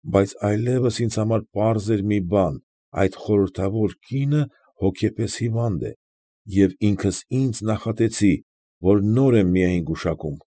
Բայց այլևս ինձ համար պարզ էր մի բան. այդ խորհրդավոր կինը հոգեպես հիվանդ է, և ինքս ինձ նախատեցի, որ նոր եմ միայն գուշակում։